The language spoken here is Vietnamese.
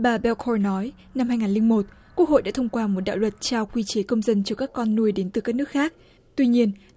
bà beo cô nói năm hai ngàn linh một quốc hội đã thông qua một đạo luật trao quy chế công dân cho các con nuôi đến từ các nước khác tuy nhiên